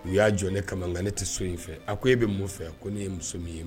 U y'a jɔ ne ka kama nka ne tɛ so in fɛ, a ko e bɛ mun fɛ? ko ne ye muso min ye